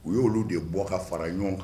U y'olu de bɔ ka fara ɲɔgɔn kan